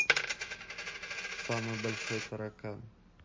самый большой таракан